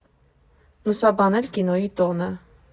Լուսաբանել կինոյի տոնը։